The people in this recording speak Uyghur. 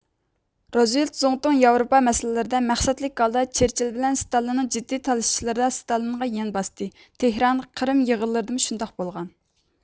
روزۋېلت زۇڭتۇڭ ياۋروپا مەسىلىلىرىدە مەقسەتلىك ھالدا چېرچىل بىلەن ستالىننىڭ جىددىي تالىشىشلىرىدا سىتالىنغا يان باساتتى تېھران قىرىم يىغىنلىرىدىمۇ شۇنداق بولغان